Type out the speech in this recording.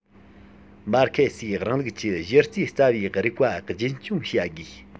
མར ཁེ སིའི རིང ལུགས ཀྱི གཞི རྩའི རྩ བའི རིགས པ རྒྱུན འཁྱོངས བྱ དགོས